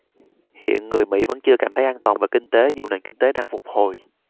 hiện người mỹ vẫn chưa cảm thấy an toàn về kinh tế dù nền kinh tế đang phục hồi